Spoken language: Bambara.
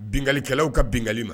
Binkalikɛlaw ka binli ma